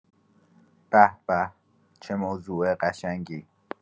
به‌به، چه موضوع قشنگی!